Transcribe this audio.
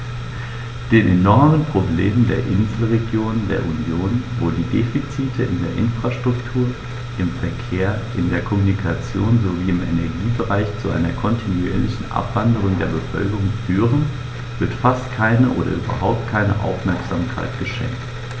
Den enormen Problemen der Inselregionen der Union, wo die Defizite in der Infrastruktur, im Verkehr, in der Kommunikation sowie im Energiebereich zu einer kontinuierlichen Abwanderung der Bevölkerung führen, wird fast keine oder überhaupt keine Aufmerksamkeit geschenkt.